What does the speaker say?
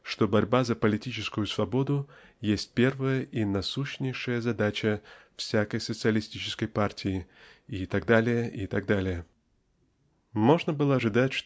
что борьба за политическую свободу есть первая и насущнейшая задача всякой социалистической партии и т.д. и т.д. Можно было ожидать